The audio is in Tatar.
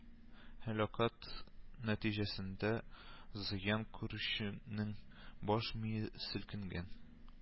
Һәлакәт нәтиҗәсендә, зыян күрүченең баш мие селкенгән